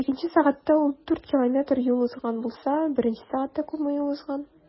Икенче сәгатьтә ул 4 км юл узган булса, беренче сәгатьтә күпме юл узган?